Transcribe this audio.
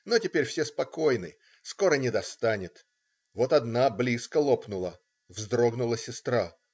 Но теперь все спокойны - скоро не достанет. Вот одна близко лопнула. Вздрогнула сестра.